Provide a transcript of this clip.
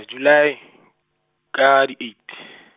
July, ka di eight.